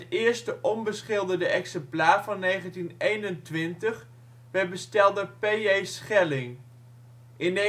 eerste (onbeschilderde) exemplaar van 1921 werd besteld door P.J. Schelling. In 1922